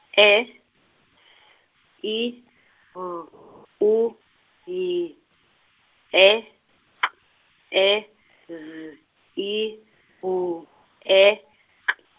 E, S, I, B , U, Y, E, K, E, Z, I, U, E, K.